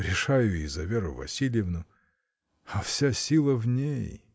Решаю и за Веру Васильевну — а вся сила в ней!